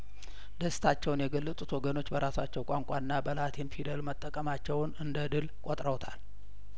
ደስታቸውን የገለጡት ወገኖች በራሳቸው ቋንቋና በላቲን ፊደል መጠቀማቸውን እንደድል ቆጥረውታል